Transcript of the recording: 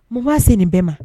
Mun ma se nin bɛɛ ma